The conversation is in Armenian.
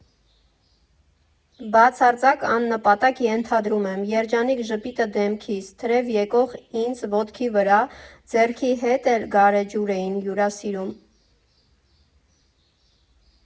Բացարձակ աննպատակ, ենթադրում եմ՝ երջանիկ ժպիտը դեմքիս, թրև եկող ինձ՝ ոտքի վրա, ձեռքի հետ էլ գարեջուր էին հյուրասիրում։